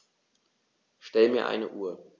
Stell mir eine Uhr.